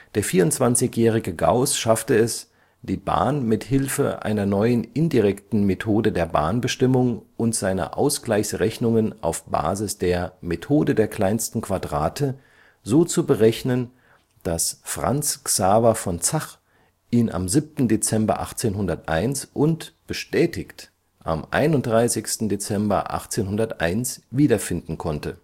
Der 24-jährige Gauß schaffte es, die Bahn mit Hilfe einer neuen indirekten Methode der Bahnbestimmung und seiner Ausgleichsrechnungen auf Basis der Methode der kleinsten Quadrate so zu berechnen, dass Franz Xaver von Zach ihn am 7. Dezember 1801 und – bestätigt – am 31. Dezember 1801 wiederfinden konnte